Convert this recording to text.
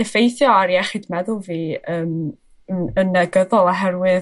effeithio ar iechyd meddwl fi yym m- yn negyddol oherwydd